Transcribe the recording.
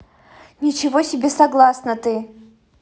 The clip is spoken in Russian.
ничего себе согласнаты